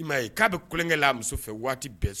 Ko'a bɛ kolonlɛnkɛ la a muso fɛ waati bɛɛ so